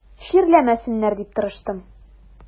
Чирләмәсеннәр дип тырыштым.